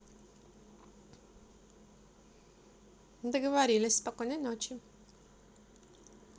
договорились спокойной ночи